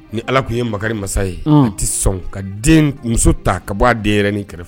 Ni Ala tun ye makari masa ye a tɛ sɔn ka den muso ta ka bɔ a denɲɛrɛni kɛrɛ fɛ.